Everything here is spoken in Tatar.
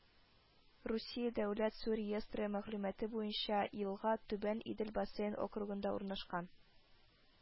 Русия дәүләт су реестры мәгълүматы буенча елга Түбән Идел бассейн округында урнашкан